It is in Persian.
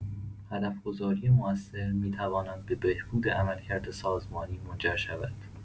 هدف‌گذاری موثر می‌تواند به بهبود عملکرد سازمانی منجر شود.